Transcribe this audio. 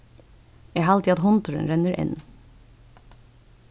eg haldi at hundurin rennur enn